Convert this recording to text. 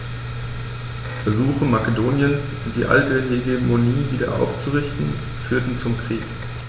Versuche Makedoniens, die alte Hegemonie wieder aufzurichten, führten zum Krieg.